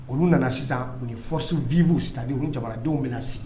Olu nana sisan u ni fɔsi vw ta u jamanadenw bɛna na sigi